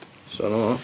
So, dyna fo.